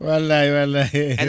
wallahi wallay